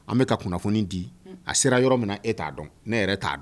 An be ka kunnafoni di unhun a sera yɔrɔ min na e t'a dɔn unhun ne yɛrɛ t'a dɔn